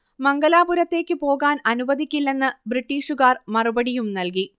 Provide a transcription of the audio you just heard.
മംഗലാപുരത്തേക്ക് പോകാൻ അനുവദിക്കില്ലെന്ന് ബ്രിട്ടീഷുകാർ മറുപടിയും നൽകി